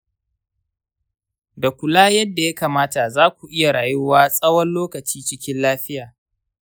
da kula yadda ya kamata, za ku iya rayuwa tsawon lokaci cikin lafiya.